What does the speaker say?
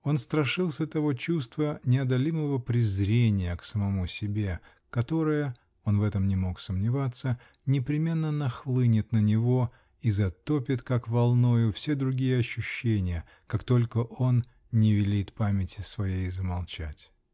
он страшился того чувства неодолимого презрения к самому себе, которое, он в этом не мог сомневаться, непременно нахлынет на него и затопит, как волною, все другие ощущения, как только он не велит памяти своей замолчать.